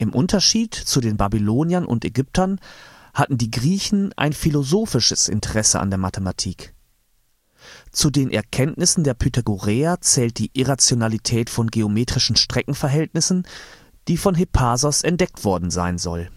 Unterschied zu den Babyloniern und Ägyptern hatten die Griechen ein philosophisches Interesse an der Mathematik. Zu den Erkenntnissen der Pythagoreer zählt die Irrationalität von geometrischen Streckenverhältnissen, die von Hippasos entdeckt worden sein soll